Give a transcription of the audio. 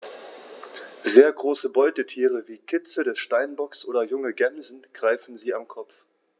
Sehr große Beutetiere wie Kitze des Steinbocks oder junge Gämsen greifen sie am Kopf.